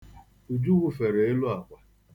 Uju wụfere elu akwa.